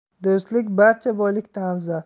do'stlik barcha boylikdan afzal